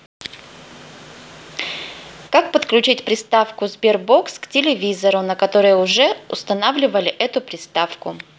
как подключить приставку sberbox к телевизору на который уже устанавливали эту приставку